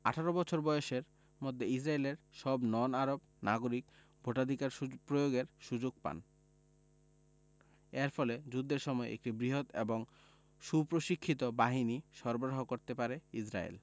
১৮ বছর বয়সের মধ্যে ইসরায়েলের সব নন আরব নাগরিক ভোটাধিকার সুযোগ প্রয়োগের সুযোগ পান এর ফলে যুদ্ধের সময় একটি বৃহৎ এবং সুপ্রশিক্ষিত বাহিনী সরবরাহ করতে পারে ইসরায়েল